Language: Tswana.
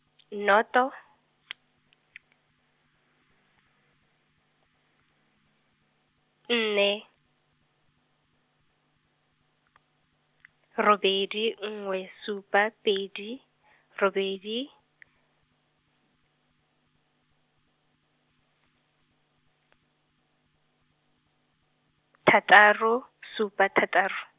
nnoto , nne, robedi nngwe supa pedi, robedi, thataro, supa thataro.